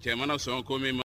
Cɛman sɔn ko min man